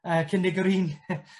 yy cynnig yr un